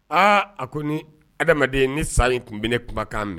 Aa a ko ni adamaden ye ni sa in tun bɛ ne kunbakan mɛn